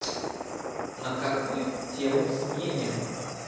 на какую тему сменим